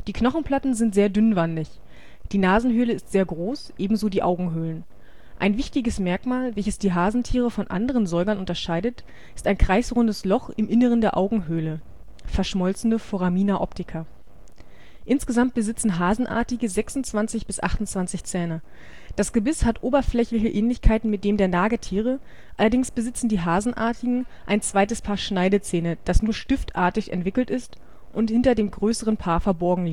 Knochenplatten sind sehr dünnwandig. Die Nasenhöhle ist sehr groß, ebenso die Augenhöhlen. Ein wichtiges Merkmal, welches die Hasentiere von anderen Säugern unterscheidet, ist ein kreisrundes Loch im Innern der Augenhöhle (verschmolzene Foramina optica). Insgesamt besitzen Hasenartige 26 bis 28 Zähne. Das Gebiss hat oberflächliche Ähnlichkeiten mit dem der Nagetiere, allerdings besitzen die Hasenartigen ein zweites Paar Schneidezähne, das nur stiftartig entwickelt ist und hinter dem größeren Paar verborgen